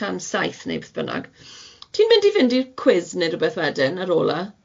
tan saith neu beth bynnag ti'n mynd i fynd i'r cwis neu rywbeth wedyn ar ôl e?